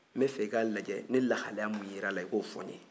n bɛ fɛ i ka lajɛ ni lahalaya min yera a la i k'o fɔ n ye